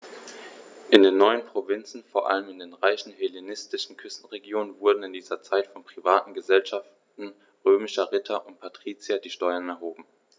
In den neuen Provinzen, vor allem in den reichen hellenistischen Küstenregionen, wurden in dieser Zeit von privaten „Gesellschaften“ römischer Ritter und Patrizier die Steuern erhoben.